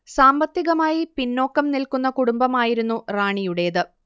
സാമ്പത്തികമായി പിന്നോക്കം നിൽക്കുന്ന കുടുംബമായിരുന്നു റാണിയുടേത്